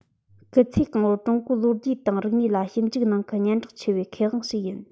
སྐུ ཚེ གང བོར ཀྲུང གོའི ལོ རྒྱུས དང རིག གནས ལ ཞིབ འཇུག གནང མཁན སྙན གྲགས ཆེ བའི མཁས དབང ཞིག ཡིན